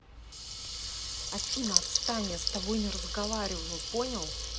афина отстань я с тобой не разговариваю понял